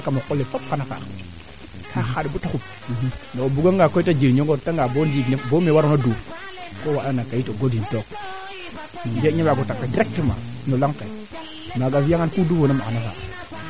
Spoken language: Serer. no relais es kam ley'u denee o boolo le ando naye Mamadou Tine kese kese warno ñaama to naq ne teno goor xarmbaxay a ngara nga maana a mbogin fo ten bugo njuf bo o ngool est ce que kaaga xana soti ngeex xana wara den de